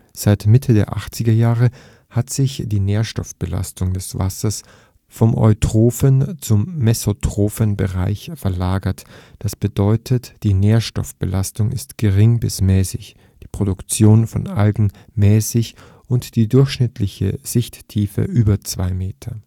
Seit Mitte der Achtzigerjahre hat sich die Nährstoffbelastung des Wassers vom eutrophen zum mesotrophen Bereich verlagert, das bedeutet die Nährstoffbelastung ist gering bis mäßig, die Produktion von Algen mäßig und die durchschnittliche Sichttiefe über 2 m